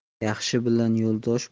yaxshi bilan yo'ldosh